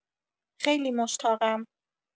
خیلی مشتاقم